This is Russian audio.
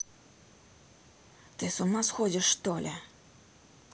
ты с ума сходишь что ли